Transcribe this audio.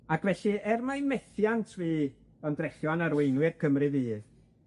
Ac felly, er mai methiant fu ymdrechion arweinwyr Cymru Fydd